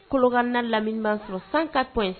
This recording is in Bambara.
Kolokani n'a lamini b'a sɔrɔ 104